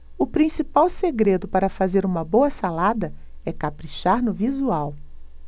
o principal segredo para fazer uma boa salada é caprichar no visual